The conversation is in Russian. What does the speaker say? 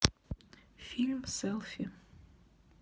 фильм селфи